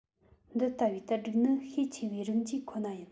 འདི ལྟ བུའི བསྟར སྒྲིག ནི ཤས ཆེ བའི རིགས འབྱེད ཁོ ན ཡིན